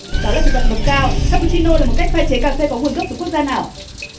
đó là thực vật bậc cao ca bu chi nô là một cách pha chế cà phê có nguồn gốc từ quốc gia nào